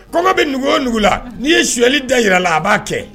Kɔngɔ bɛ nugu o nugu la n'i ye suyali da jira la a b'a kɛ